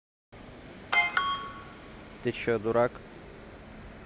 ты че дурак